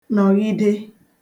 nọ̀ghide